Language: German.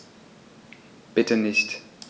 Bitte nicht.